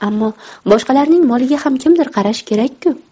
ammo boshqalarning moliga ham kimdir qarashi kerak ku